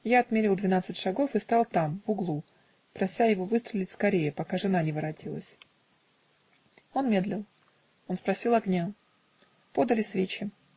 Я отмерил двенадцать шагов и стал там в углу, прося его выстрелить скорее, пока жена не воротилась. Он медлил -- он спросил огня. Подали свечи.